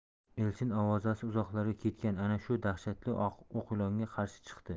elchin ovozasi uzoqlarga ketgan ana shu dahshatli o'qilonga qarshi chiqdi